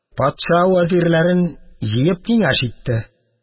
Патша вәзирләрен җыеп киңәш итте.